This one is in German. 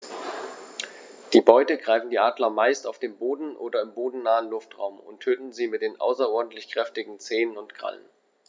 Die Beute greifen die Adler meist auf dem Boden oder im bodennahen Luftraum und töten sie mit den außerordentlich kräftigen Zehen und Krallen.